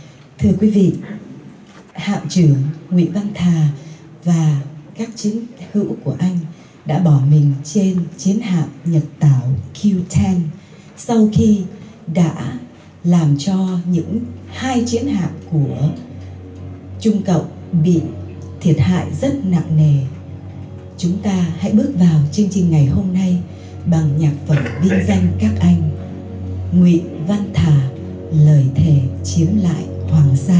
thưa quý vị hạm trưởng ngụy văn thà và các chiến hữu của anh đã bỏ mình trên chiến hạm nhật tảo kiu then sau khi đã làm cho những hai chiến hạm của trung cộng bị thiệt hại rất nặng nề chúng ta hãy bước vào chương trình ngày hôm nay bằng nhạc tưởng vinh danh các anh ngụy văn thà lời thề chiếm lại hoàng sa